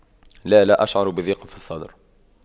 لا لا اشعر بضيق في الصدر